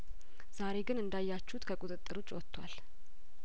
ዛሬ ግን እንዳያችሁት ከቁጥጥር ውጭ ወጥቷል